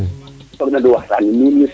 *